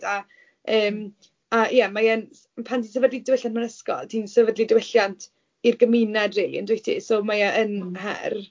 A yym a ie mae e'n... pan ti'n sefydlu diwylliant mewn ysgol, ti'n sefydlu diwylliant i'r gymuned rili yndwyt ti, so mae e yn hêr.